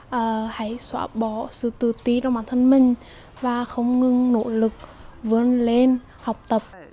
hãy xóa bỏ sự tự ti trong bản thân mình và không ngừng nỗ lực vươn lên học tập